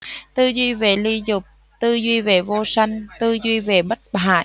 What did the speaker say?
tư duy về ly dục tư duy về vô sân tư duy về bất hại